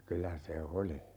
kyllä se oli